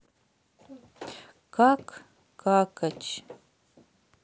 как какать